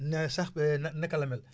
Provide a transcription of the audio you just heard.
nee na sax bi na naka la mel